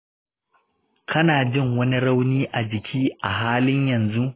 kana jin wani rauni a jiki a halin yanzu?